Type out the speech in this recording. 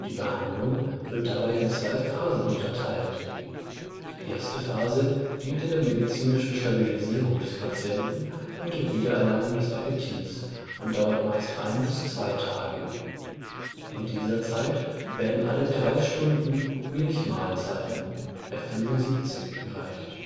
Behandlung wird dabei in zwei Phasen unterteilt: Die erste Phase diente der medizinischen Stabilisierung des Patienten und der Wiedererlangung des Appetits und dauert meist ein bis zwei Tage. In dieser Zeit werden alle drei Stunden Milchmahlzeiten (F75) gereicht